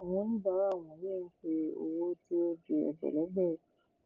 Àwọn oníbàárà wọ̀nyìí ń fi owó tí ó ju ẹgbẹ̀lẹ́gbẹ̀